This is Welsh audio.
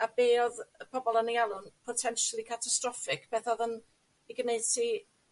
a be' odd y pobol yn ei alw'n potentially catastrophic beth odd yn 'i gneud ti...